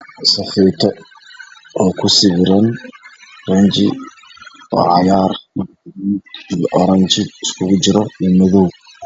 Oo cagaar buluug oranji isku jiro